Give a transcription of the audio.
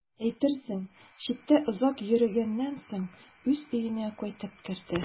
Әйтерсең, читтә озак йөргәннән соң үз өенә кайтып керде.